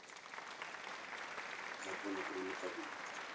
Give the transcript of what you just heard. законы привлекательности